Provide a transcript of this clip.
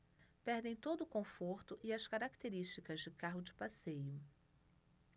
perdem todo o conforto e as características de carro de passeio